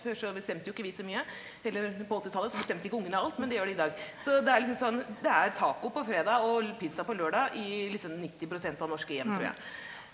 før så bestemte jo ikke vi så mye, eller på åttitallet så bestemte ikke ungene alt, men det gjør de i dag, så det er liksom sånn det er taco på fredag og pizza på lørdag i liksom 90% av norske hjem trur jeg.